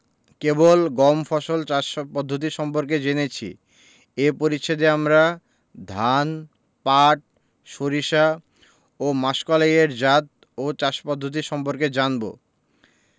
কেবল গম ফসল চাষ পদ্ধতি সম্পর্কে জেনেছি এ পরিচ্ছেদে আমরা ধান পাট সরিষা ও মাসকলাই এর জাত ও চাষ পদ্ধতি সম্পর্কে জানব